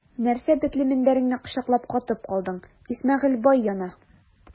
Нәрсә бетле мендәреңне кочаклап катып калдың, Исмәгыйль бай яна!